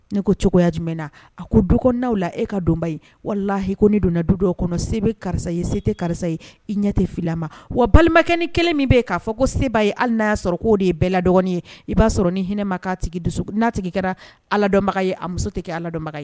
Ne ko cogoya jumɛnɛna a ko du kɔnɔ n'aw la e ka donba ye wala h ko ne donna du dɔ kɔnɔ sebe karisa ye se tɛ karisa ye i ɲɛ tɛ fili ma wa balimakɛ ni kelen min bɛ yen k'a fɔ ko seba ye hali n'a' ya sɔrɔ ko o de ye bɛɛ la dɔgɔnin ye i b'a sɔrɔ ni hinɛ ma ka tigi dusu n'a tigi kɛra aladɔnbaga a muso tɛ kɛ ala dɔnbaga ye